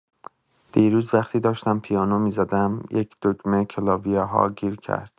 دیروز وقتی داشتم پیانو می‌زدم، یک دگمه کلاویه‌ها گیر کرد.